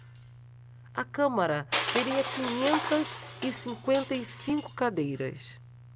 a câmara teria quinhentas e cinquenta e cinco cadeiras